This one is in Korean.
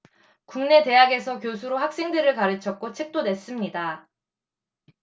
국내 대학에서 교수로 학생들을 가르쳤고 책도 냈습니다